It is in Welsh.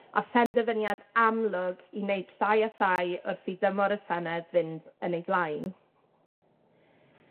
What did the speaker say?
a phenderfyniad amlwg i wneud llai a llai wrth i dymor y Senedd fynd yn ei blaen.